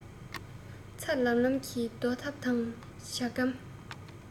ཚ ལམ ལམ གྱི རྡོ ཐབ དང ཇ སྒམ